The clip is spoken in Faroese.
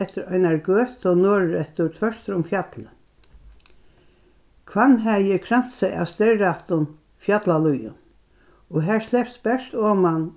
eftir einari gøtu norðureftir tvørtur um fjallið hvannhagi er kransað av steyrrættum fjallalíðum og har slepst bert oman